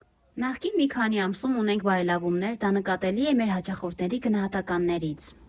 ֊ Նախկին մի քանի ամսում ունենք բարելավումներ, դա նկատելի է մեր հաճախորդների գնահատականներից։